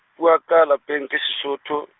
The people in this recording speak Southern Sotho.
puo ya ka ya lapeng ke Sesotho.